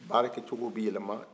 baarakɛ cogow bi yɛlɛma